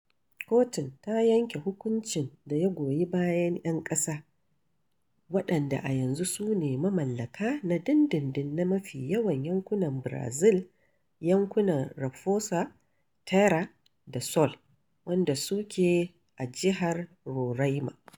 Kotun ta yanke hukuncin da ya goyi bayan 'yan ƙasa, waɗanda a yanzu su ne mamallaka na dindindin na mafi yawan yankunan Barazil - yankunan Raposa Terra do Sol, waɗanda suke a jihar Roraima.